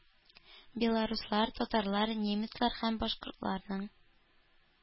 Белоруслар, татарлар, немецлар һәм башкаларның